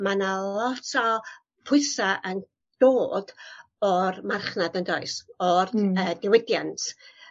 ma' 'na lot o pwysa' yn dod or marchnad yndoes? O'r... Hmm. ...y diwydiant